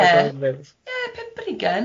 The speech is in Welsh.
ie, ie, pump ar hugen.